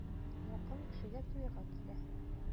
Якын кешегә туйга килә.